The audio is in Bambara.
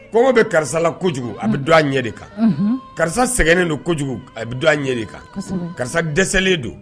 Kɔgɔ bɛ karisala kojugu a bɛ don a ɲɛ de kan karisa sɛgɛngnen don kojugu a bɛ don a an ɲɛ de kan karisa dɛsɛlen don